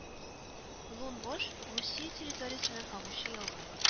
Лун-Вож Русия территориясеннән агучы елга